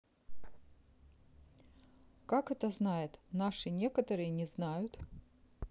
как это знает наши некоторые не знают